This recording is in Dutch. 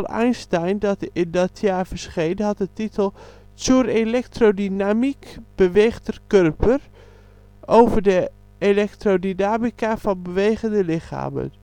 Einstein dat in dat jaar verscheen had de titel " Zur Elektrodynamik bewegter Körper " (over de elektrodynamica van bewegende lichamen